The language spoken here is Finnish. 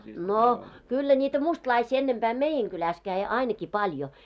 no kyllä niitä mustalaisia ennempää meidän kylässä kävi ainakin paljon